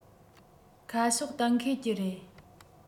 ཁ ཕྱོགས གཏན འཁེལ གྱི རེད